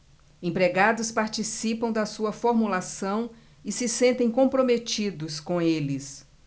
empregados participam da sua formulação e se sentem comprometidos com eles